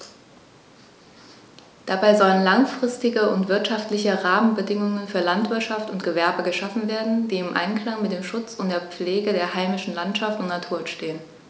Dabei sollen langfristige und wirtschaftliche Rahmenbedingungen für Landwirtschaft und Gewerbe geschaffen werden, die im Einklang mit dem Schutz und der Pflege der heimischen Landschaft und Natur stehen.